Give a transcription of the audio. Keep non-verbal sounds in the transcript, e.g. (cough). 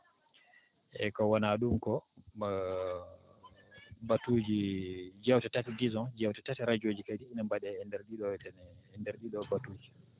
eeyi ko wonaa ɗum ko (hesitation) batuuji jewte tati disons jewte tati radio ji kadi ine mbaɗee e ndeer ɗii ɗoo tene e ndeer ɗii ɗoo batuuji